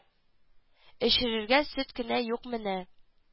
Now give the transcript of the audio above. Эчерергә сөт кенә юк менә